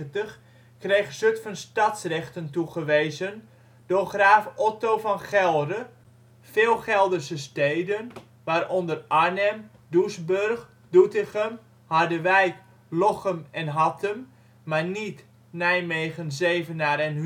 kreeg Zutphen stadsrechten toegewezen door graaf Otto van Gelre (1181-1207). Veel Gelderse steden (waaronder Arnhem, Doesburg, Doetinchem, Harderwijk, Lochem en Hattem, maar niet Nijmegen, Zevenaar en